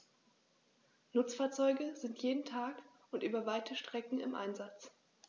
Nutzfahrzeuge sind jeden Tag und über weite Strecken im Einsatz.